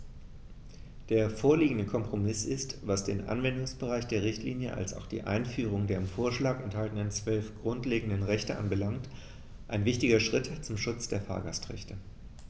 Der vorliegende Kompromiss ist, was den Anwendungsbereich der Richtlinie als auch die Einführung der im Vorschlag enthaltenen 12 grundlegenden Rechte anbelangt, ein wichtiger Schritt zum Schutz der Fahrgastrechte.